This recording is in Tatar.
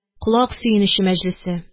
Колак сөенече мәҗлесе